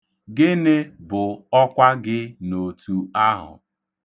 Gịnị bụ ọkwa gị n'otu ahụ?